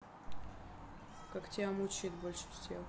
как тебя мучает больше всех